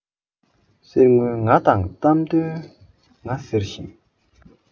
གསེར དངུལ ང དང གཏམ དོན ང ཟེར ཞིང